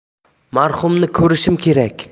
marhumni ko'rishim kerak